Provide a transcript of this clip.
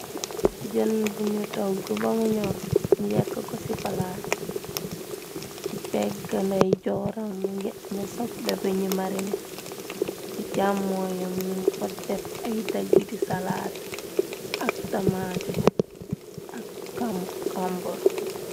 Jën bu ñu togg bamu ñor ñi yekk ko ci palaat ci pegganday jooram mngi ame soble bi ñi marine ci jàmmoyam ñi fot def ay daggi di salaatu ak tamate ak kambor.